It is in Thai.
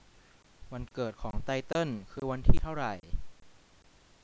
วันเกิดของไตเติ้ลคือวันที่เท่าไร